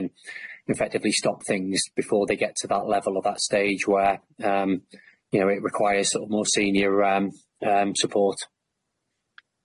and effectively stop things before they get to that level of that stage where um you know it requires sort of more senior um um support.